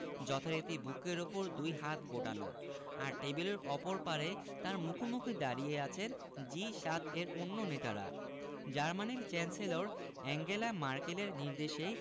যথারীতি বুকের ওপর দুই হাত গোটানো আর টেবিলের অপর পারে তাঁর মুখোমুখি দাঁড়িয়ে আছেন জি ৭ এর অন্য নেতারা জার্মানির চ্যান্সেলর আঙ্গেলা ম্যার্কেলের নির্দেশে